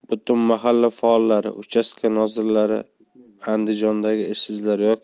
butun mahalla faollari uchastka nozirlari andijondagi ishsizlar